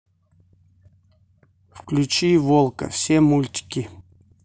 включи волка все мультики